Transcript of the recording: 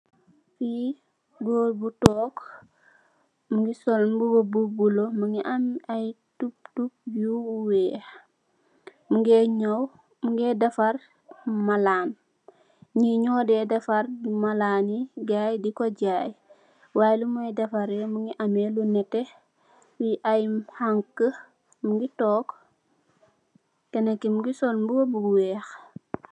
Fee gorr bu tonke muge sol muba bu bulo muge ameh aye tob tob yu weex mugeh ñyaw muge defarr malan nye nu de defarr malan ye gaye deku jaye y lumuye defare muge ameh lu neteh fee aye hanke muge tonke kenake muge sol muba bu weex.